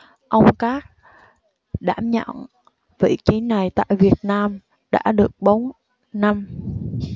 ông carl đảm nhận vị trí này tại việt nam đã được bốn năm